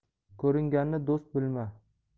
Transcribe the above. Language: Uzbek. ko'ringanni do'st bilma